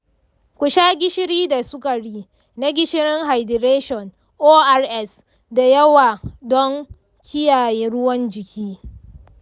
ku sha gishiri da sukari na gishirin hydration (ors) da yawa don kiyaye ruwan jiki.